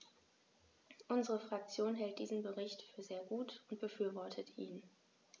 Unsere Fraktion hält diesen Bericht für sehr gut und befürwortet ihn.